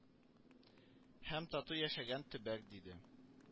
Һәм тату яшәгән төбәк, диде